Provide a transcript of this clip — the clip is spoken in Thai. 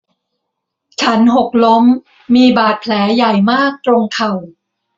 ฉันหกล้มมีบาดแผลใหญ่มากตรงเข่า